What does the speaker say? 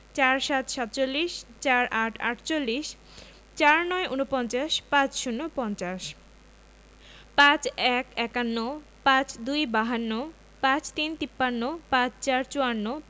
৪৭ - সাতচল্লিশ ৪৮ -আটচল্লিশ ৪৯ – উনপঞ্চাশ ৫০ - পঞ্চাশ ৫১ – একান্ন ৫২ - বাহান্ন ৫৩ - তিপ্পান্ন ৫৪ - চুয়ান্ন